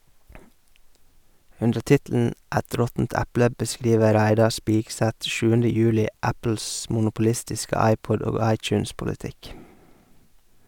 Under tittelen "Et råttent eple" beskriver Reidar Spigseth 7. juli Apples monopolistiske iPod- og iTunes-politikk.